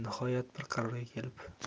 nihoyat bir qarorga kelib